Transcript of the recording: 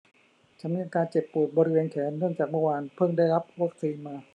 ฉันมีอาการเจ็บปวดบริเวณแขนเนื่องจากเมื่อวานพึ่งได้รับวัคซีนมา